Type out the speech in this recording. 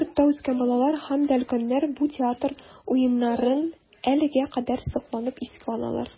Бу йортта үскән балалар һәм дә өлкәннәр бу театр уеннарын әлегә кадәр сокланып искә алалар.